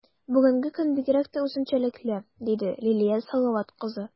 Бүгенге көн бигрәк тә үзенчәлекле, - диде Лилия Салават кызы.